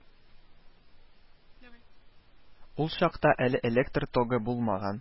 Ул чакта әле электр тогы булмаган